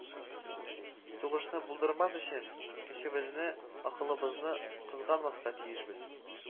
Сугышны булдырмас өчен көчебезне, акылыбызны кызганмаска тиешбез